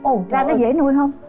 đâu ra nó dễ nuôi hông